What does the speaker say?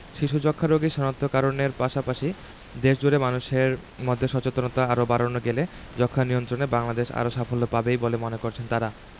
শিশু যক্ষ্ণারোগী শনাক্ত করণের পাশাপাশি দেশজুড়ে মানুষের মধ্যে সচেতনতা আরও বাড়ানো গেলে যক্ষ্মানিয়ন্ত্রণে বাংলাদেশ আরও সাফল্য পাবেই বলে মনে করছেন তারা